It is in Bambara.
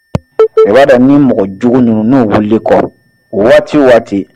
U ba dɔn ni mɔgɔ jugu nunun wili la i kɔ wagati wo wagati